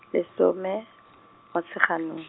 lesome , Motsheganong.